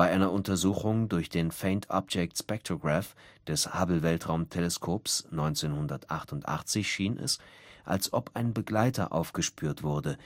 einer Untersuchung durch den Faint Object Spectrograph des Hubble Weltraumteleskops 1998 schien es, als ob ein Begleiter aufgespürt wurde